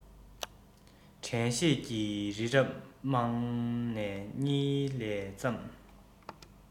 དྲན ཤེས ཀྱི རི རབ རྨང ནས ཉིལ ལ བརྩམས